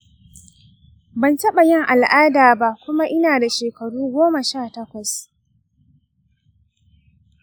ban taɓa yin al’ada ba kuma ina da shekaru goma sha takwas.